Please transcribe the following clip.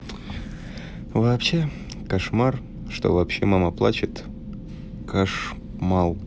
вообще кошмар что вообще мама плачет кошмал